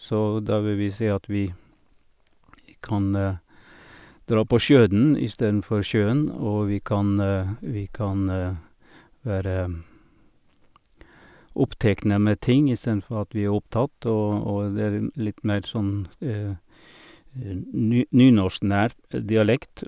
Så da vil vi si at vi vi kan dra på sjøen istedenfor sjøen, og vi kan vi kan være opptekne med ting istedenfor at vi er opptatt, og og det er en litt mer sånn n ny nynorsknær dialekt.